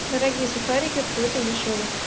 дорогие сухарики против дешевых